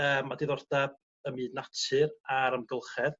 yym a diddordab ym myd natur a'r amgylchedd